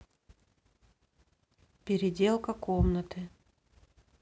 переделка комнаты